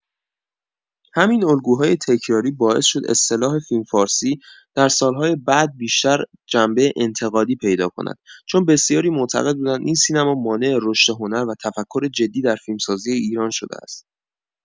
همین الگوهای تکراری باعث شد اصطلاح فیلم‌فارسی در سال‌های بعد بیشتر جنبه انتقادی پیدا کند، چون بسیاری معتقد بودند این سینما مانع رشد هنر و تفکر جدی در فیلمسازی ایران شده است.